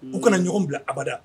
U kana ɲɔgɔn bila abada